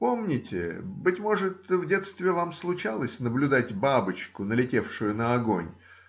Помните, быть может, в детстве вам случалось наблюдать бабочку, налетевшую на огонь?